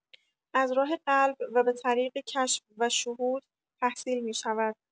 از راه قلب و به طریق کشف و شهود تحصیل می‌شود